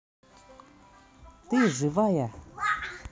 ты живая